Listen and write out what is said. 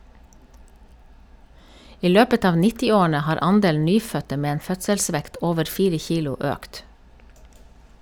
I løpet av nittiårene har andelen nyfødte med en fødselsvekt over fire kilo økt.